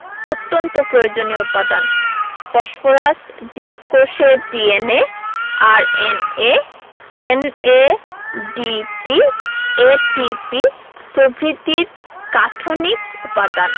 অত্যন্ত প্রয়োজনীয় উপাদান ফসফরাস জীবকোষে DNA R N A N A DP ATP প্রভৃতির গাঠনিক উপাদান